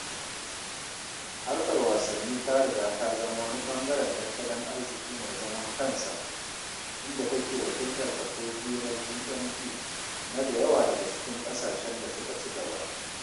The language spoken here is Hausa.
Harkar wasanni ta riga ta zama wani ɓangaren tattalin arziki mai zaman kansa, inda take wakiltar kaso 2% na GNP na da yawa daga cikin ƙasashen da suka ci gaba.